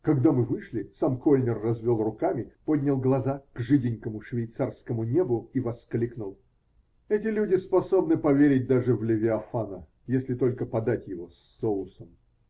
Когда мы вышли, сам Кольнер развел руками, поднял глаза к жиденькому швейцарскому небу и воскликнул: -- Эти люди способны поверить даже в левиафана, если только подать его с соусом.